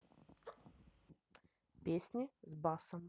песни с басом